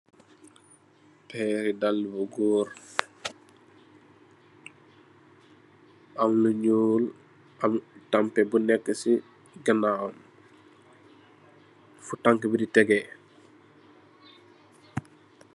Pèrri daal bu góor am lu ñuul. Am tampi bu nekk ci ganaawam fu tank bi Di tégé.